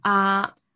A